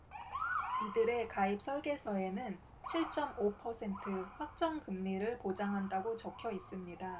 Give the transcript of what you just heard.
이들의 가입설계서에는 칠 쩜 오 퍼센트 확정 금리를 보장한다고 적혀있습니다